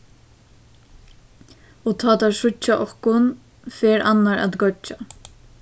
og tá teir síggja okkum fer annar at goyggja